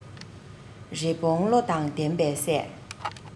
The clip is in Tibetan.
རི བོང བློ དང ལྡན པས བསད